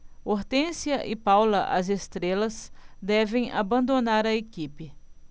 hortência e paula as estrelas devem abandonar a equipe